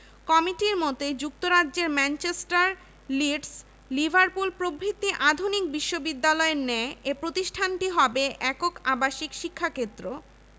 এক পর্যায়ে lord Hardinge Kolkata বিশ্ববিদ্যালয়ের উপাচার্য স্যার আশুতোষ মুখার্জীকে জানিয়ে দেন যে তাঁদের বিরোধিতা সত্ত্বেও ঢাকায় একটি বিশ্ববিদ্যালয় প্রতিষ্ঠা করা হবে